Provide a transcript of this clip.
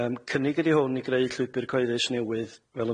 yym cynnig ydi hwn i greu llwybyr cyhoeddus newydd fel